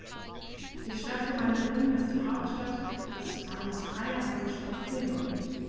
Die Stadtgemeinde Bremen ist die Hauptstadt des Landes Freie Hansestadt Bremen.